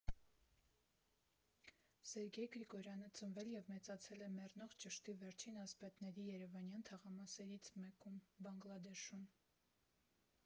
Սերգեյ Գրիգորյանը ծնվել և մեծացել է «մեռնող ճշտի վերջին ասպետների» երևանյան թաղամասերից մեկում՝ Բանգլադեշում։